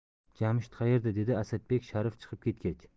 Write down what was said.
jamshid qaerda dedi asadbek sharif chiqib ketgach